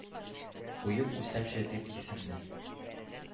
Куеп үлсәмче, дип, йөземне!